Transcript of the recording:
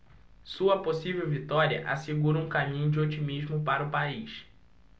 sua possível vitória assegura um caminho de otimismo para o país